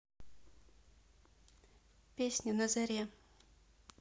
песня на заре